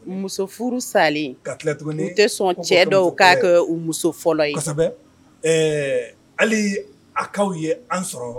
Muso furu salen ka tɛ sɔn cɛ dɔ k'a muso fɔlɔ ye ɛɛ hali akaw ye an sɔrɔ